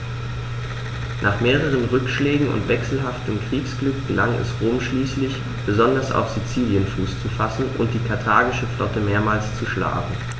Nach mehreren Rückschlägen und wechselhaftem Kriegsglück gelang es Rom schließlich, besonders auf Sizilien Fuß zu fassen und die karthagische Flotte mehrmals zu schlagen.